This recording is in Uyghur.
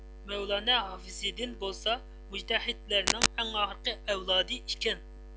مەۋلانە ھافىزىددىن بولسا مۇجتەھىدلەرنىڭ ئەڭ ئاخىرقى ئەۋلادى ئىكەن